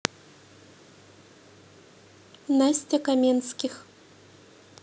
настя каменских